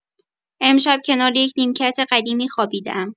امشب کنار یک نیمکت قدیمی خوابیده‌ام.